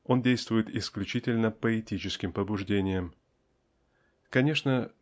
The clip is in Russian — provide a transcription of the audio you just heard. он действует исключительно по этическим побуждениям. Конечно